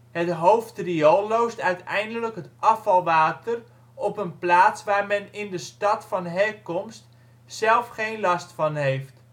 hoofdriool loost uiteindelijk het afvalwater op een plaats waar men er in de stad van herkomst zelf geen last van heeft